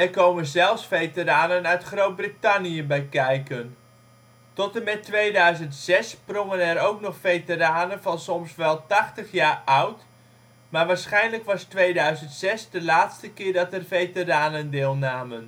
komen zelfs veteranen uit Groot-Brittannië bij kijken. Tot en met 2006 sprongen er ook nog veteranen van soms wel 80 jaar oud, maar waarschijnlijk was 2006 de laatste keer dat er veteranen deelnamen